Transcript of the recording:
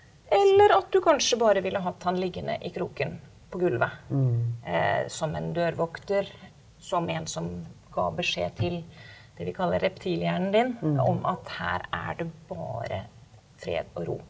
eller at du kanskje bare ville hatt han liggende i kroken på gulvet , som en dørvokter, som en som ga beskjed til det vi kaller reptilhjernen din om at her er det bare fred og ro.